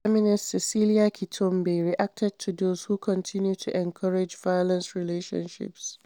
Feminist Cecília Kitombé reacted to those who continue to encourage violent relationships: